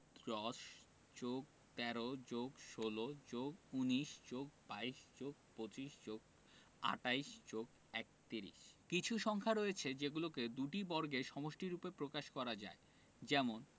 ১০+১৩+১৬+১৯+২২+২৫+২৮+৩১ কিছু সংখ্যা রয়েছে যেগুলোকে দুইটি বর্গের সমষ্টিরুপে প্রকাশ করা যায় যেমন